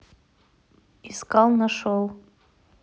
искал нашел